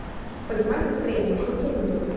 поднимает настроение шутки анекдоты